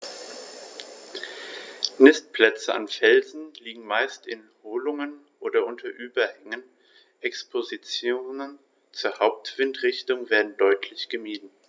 Nistplätze an Felsen liegen meist in Höhlungen oder unter Überhängen, Expositionen zur Hauptwindrichtung werden deutlich gemieden.